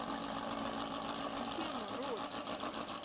дима родин